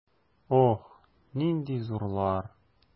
Ох, нинди зурлар!